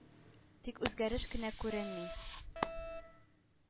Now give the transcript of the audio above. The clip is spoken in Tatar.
Тик үзгәреш кенә күренми.